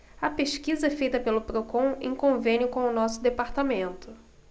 a pesquisa é feita pelo procon em convênio com o diese